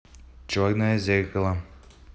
черное зеркало